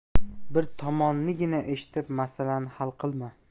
bir tomonnigina eshitib masalani hal qilma